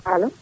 alo